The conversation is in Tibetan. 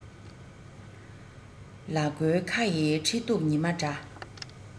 ལ མགོའི ཁ ཡི ཁྲི གདུགས ཉི མ འདྲ